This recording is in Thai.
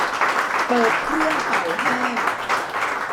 เปิดเครื่องเป่าแห้ง